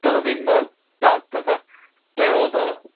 do'dd o ddim mor bad fatha, be' odd o...